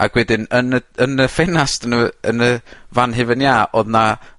ac wedyn yn y yn y ffenast nw, yn y fan hufen iâ odd 'na